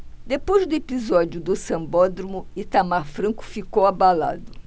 depois do episódio do sambódromo itamar franco ficou abalado